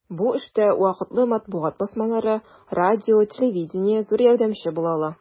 Бу эштә вакытлы матбугат басмалары, радио-телевидение зур ярдәмче була ала.